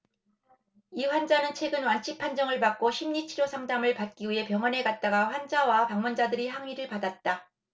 이 환자는 최근 완치 판정을 받고 심리 치료 상담을 받기 위해 병원에 갔다가 환자와 방문자들의 항의를 받았다